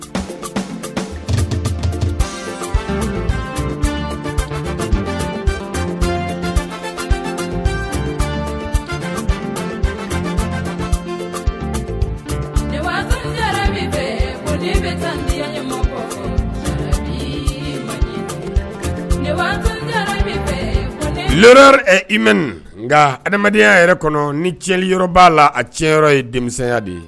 i mɛn nka adamadenyaya yɛrɛ kɔnɔ ni cɛli yɔrɔ b'a la a cɛ ye denmisɛnya de ye